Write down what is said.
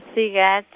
sikat-.